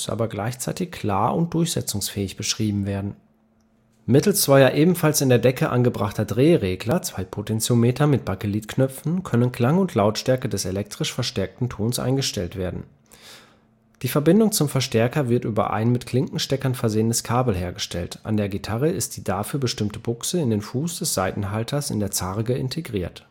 aber gleichzeitig klar und durchsetzungsfähig “beschrieben werden. Mittels zweier ebenfalls in der Decke angebrachter Drehregler (Potentiometer) mit Bakelitknöpfen können Klang und Lautstärke des elektrisch verstärkten Tons eingestellt werden. Die Verbindung zum Verstärker wird über ein mit Klinkensteckern versehenes Kabel hergestellt; an der Gitarre ist die dafür bestimmte Buchse in den Fuß des Saitenhalters in der Zarge integriert